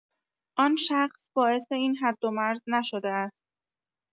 آن شخص باعث این حدومرز نشده است.